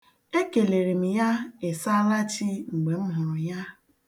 Ekelere m ya "ịsaalachi" mgbe m hụrụ ya.